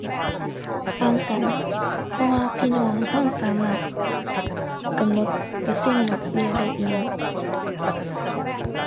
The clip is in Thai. ต่างกัน เพราะว่าพี่น้องเราสามารถกำหนดเปอร์เซ็นต์ดอกเบี้ยได้เอง